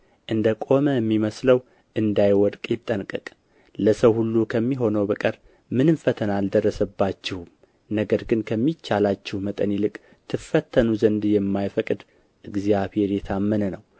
እንደ ቆመ የሚመስለው እንዳይወድቅ ይጠንቀቅ ለሰው ሁሉ ከሚሆነው በቀር ምንም ፈተና አልደረሰባችሁም ነገር ግን ከሚቻላችሁ መጠን ይልቅ ትፈተኑ ዘንድ የማይፈቅድ እግዚአብሔር የታመነ ነው